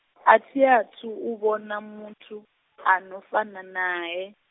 a thi athu u vhona muthu, ano fana naye.